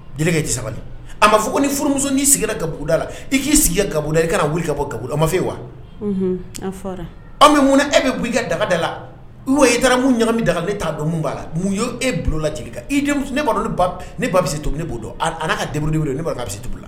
Jelikɛ sabali a ma fɔ ko furumuso n'i sigira ka kabda la i k'i sigi kabda i kana wuli ka bɔ kabla ma fɛ wa an fɔra an bɛ mun e bɛ bɔ i ka dagada la i wa i taaramu ɲagami dagagan ne t' dɔn min b'a la mun y e bulon la jeli i ne ne ba bɛ se tuguni b'o don a kaururi wele ne bɛ se tugu la